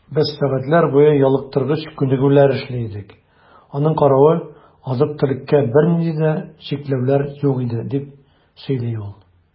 Без сәгатьләр буе ялыктыргыч күнегүләр эшли идек, аның каравы, азык-төлеккә бернинди дә чикләүләр юк иде, - дип сөйли ул.